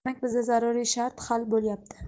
demak bizda zaruriy shart hal bo'lyapti